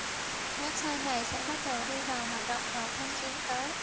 website này sẽ bắt đầu đi vào hoạt động vào tháng chín tới